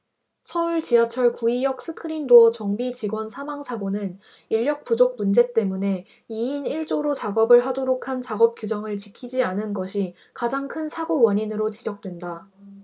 서울지하철 구의역 스크린도어 정비 직원 사망 사고는 인력부족 문제 때문에 이 인 일 조로 작업을 하도록 한 작업규정을 지키지 않은 것이 가장 큰 사고원인으로 지적된다